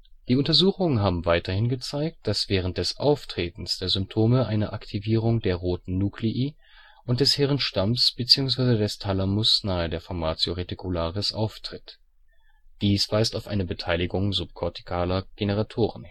Die Untersuchungen haben weiterhin gezeigt, dass während des Auftretens der Symptome eine Aktivierung der roten Nuclei und des Hirnstamms bzw. des Thalamus nahe der Formatio reticularis auftritt. Dies weist auf eine Beteiligung subkortikaler Generatoren